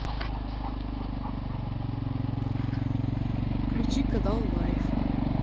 включи канал лайф